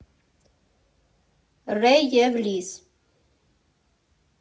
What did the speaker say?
Ռեյ և Լիզ։